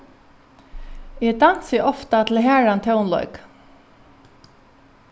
eg dansi ofta til harðan tónleik